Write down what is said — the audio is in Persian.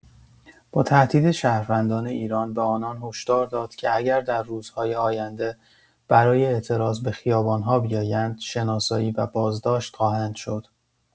با تهدید شهروندان ایران به آنان هشدار داد که اگر در روزهای آینده برای اعتراض به خیابان‌ها بیایند، شناسایی و بازداشت خواهند شد.